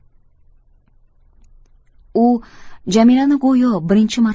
u jamilani go'yo birinchi marta